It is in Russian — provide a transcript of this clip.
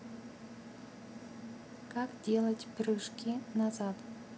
как делать прыжки назад